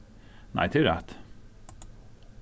nei tað er rætt